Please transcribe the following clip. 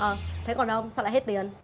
ờ thế còn ông sao lại hết tiền